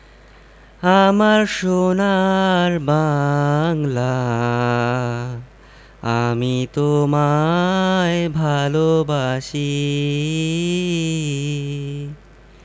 আমার সোনার বাংলা আমি তোমায় ভালোবাসি